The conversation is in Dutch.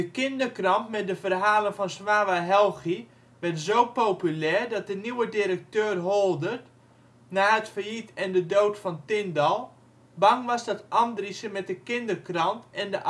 kinderkrant met de verhalen van Swawa Helgi werd zo populair dat de nieuwe directeur Holdert (na het failliet en de dood van Tindal) bang was dat Andriessen met de kinderkrant en